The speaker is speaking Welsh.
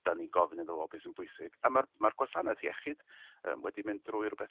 'dan ni gofyn iddo fo be' sy'n bwysig. A ma' ma'r gwasanaeth iechyd yy wedi mynd drwy rwbeth